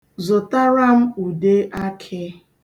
Zụtara m udeakị.